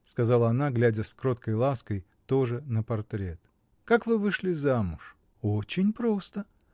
— сказала она, глядя с кроткой лаской тоже на портрет. — Как вы вышли замуж? — Очень просто.